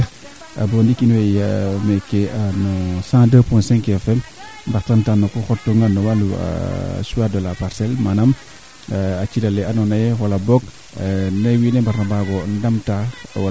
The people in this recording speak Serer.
to kaa moƴo yaaja sax yaam owey ngodaa mbaatan ndaa wagate fi yaam ndiiki ke waral na ten refu yee o qaandelo le ref ina no qol le camano kaaga fo nee o qol le topato roogeena peut xaƴnum jega tee